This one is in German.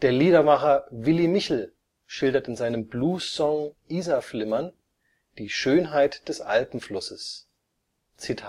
Liedermacher Willy Michl schildert in seinem Blues-Song Isarflimmern die Schönheit des Alpenflusses: „(…